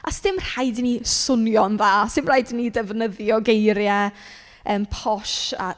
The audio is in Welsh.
A 'sdim rhaid i ni swnio'n dda, sim rhaid i ni ddefnyddio geiriau yy posh, a...